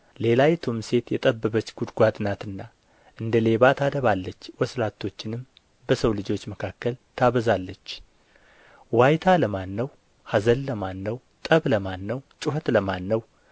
ሌላይቱም ሴት የጠበበች ጕድጓድ ናትና እንደ ሌባ ታደባለች ወስላቶችንም በሰው ልጆች መካከል ታበዛለች ዋይታ ለማን ነው ኀዘን ለማን ነው ጠብ ለማን ነው ጩኸት ለማን ነው